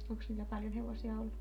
onkos niillä paljon hevosia ollut